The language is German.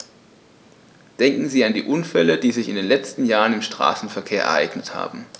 Denken Sie an die Unfälle, die sich in den letzten Jahren im Straßenverkehr ereignet haben.